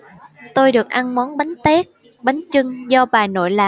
tôi được ăn món bánh tét bánh chưng do bà nội làm